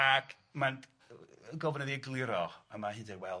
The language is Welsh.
Aac mae'n gofyn iddi egluro, a mae hi'n dweud wel,